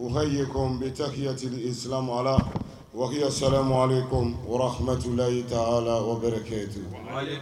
u hayyikum bi tahiyyati laah wa hiya as salaamu alayikum wa rahamatu laahi wa barakaatuhu